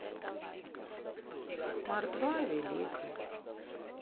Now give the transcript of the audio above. мордва великая